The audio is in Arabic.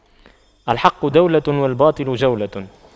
الحق دولة والباطل جولة